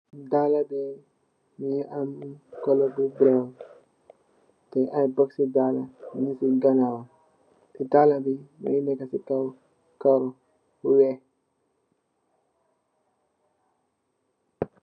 dala be mungi am coloor bu werta, mungi am qess ci dala bu neka ci ganaw dala bi mungi neka si kaw lu weex